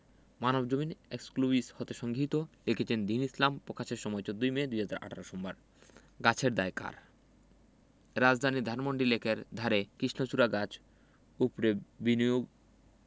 Manabzamin exclusive হতে সংগৃহীত লিখেছেনঃ দীন ইসলাম প্রকাশের সময় ১৪ মে ২০১৮ সোমবার গাছের দায় কার রাজধানীর ধানমন্ডি লেকের ধারে কৃষ্ণচূড়া গাছ উপড়ে বিনিয়োগ